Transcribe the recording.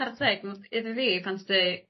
pertheg m- iddi fi pan ti dweu